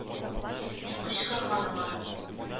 Дип кычкырган аңа.